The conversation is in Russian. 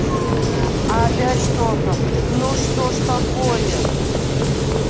опять что то ну что ж такое